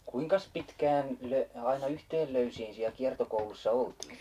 kuinkas pitkään - aina yhteen löysiin siellä kiertokoulussa oltiin